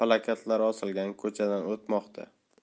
plakatlar osilgan ko'chadan o'tmoqda